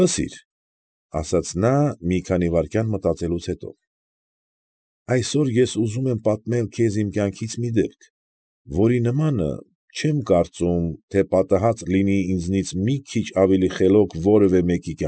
Լսիր՛ ֊ ասաց նա, մի քանի վայրկյան մտածելուց հետո, ֊ այսօր ես ուզում եմ պատմել քեզ իմ կյանքից մի դեպք, որի նմանը չեմ կարծում, թե պատահած լինի ինձնից մի քիչ ավելի խելոք որևէ մեկի։